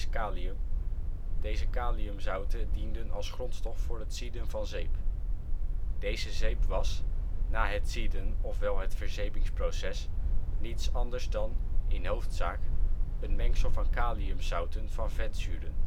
kalium). Deze kaliumzouten dienden als grondstof voor het zieden van zeep. Deze zeep was (na het zieden ofwel het verzepingsproces) niets anders dan (in hoofdzaak) een mengsel van kaliumzouten van vetzuren